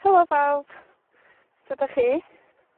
Helo bawb. Sud 'dach chi?